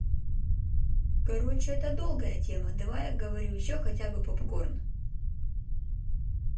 короче это долгая тема давай я говорю еще хотя попкорн